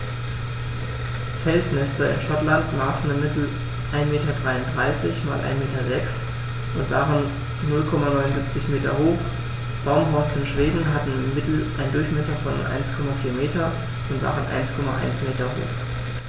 Felsnester in Schottland maßen im Mittel 1,33 m x 1,06 m und waren 0,79 m hoch, Baumhorste in Schweden hatten im Mittel einen Durchmesser von 1,4 m und waren 1,1 m hoch.